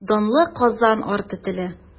Данлы Казан арты теле.